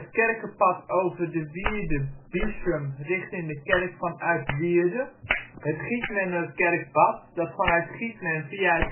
Kerkenpad over de wierde Biessum richting de kerk van Uitwierde het Giethmenerkerkpad, dat vanuit Giethmen via